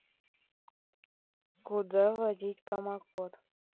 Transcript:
куда вводить промокод